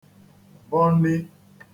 bọnī